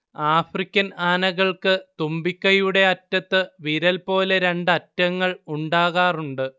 African ആനകൾക്ക് തുമ്പിക്കൈയുടെ അറ്റത്ത് വിരൽ പോലെ രണ്ട് അറ്റങ്ങൾ ഉണ്ടാകാറുണ്ട്